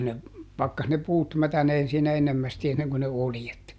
ne pakkasi ne puut mätänemään siinä ennemmästi ennen kuin ne oljet